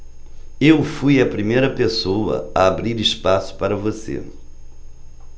eu fui a primeira pessoa a abrir espaço para você